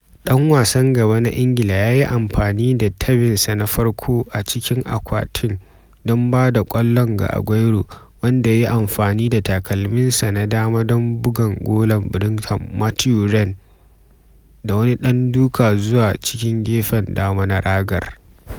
Ɗan wasan gaba na Ingilan ya yi amfani da tabinsa na farko a cikin akwatin don ba da ƙwallo ga Aguero, wanda ya yi amfani da takalminsa na dama don bugan golan Brighton Mathew Ryan da wani ɗan duka zuwa cikin gefen dama na ragar.